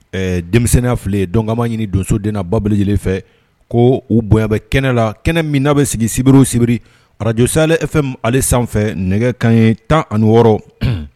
Denmisɛnninya fili donma ɲini donso den na babili lajɛlenele fɛ ko u bonya bɛ kɛnɛ la kɛnɛ min bɛ sigi sibiriw sibiri arajosa efale sanfɛ nɛgɛ ka ye tan ani wɔɔrɔ